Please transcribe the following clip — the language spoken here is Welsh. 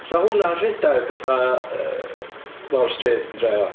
'Sa hwnna'n rhedeg fatha yy lawr stryd yn dre 'wan.